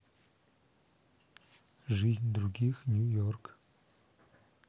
жизнь других нью йорк